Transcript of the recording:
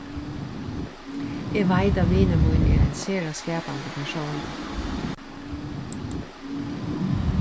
eg veit at vinur mín er ein sera skapandi persónur